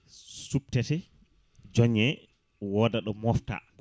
suptete joñe woda ɗo mofta